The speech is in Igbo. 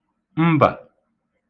mbà